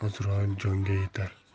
azroil jonga yetar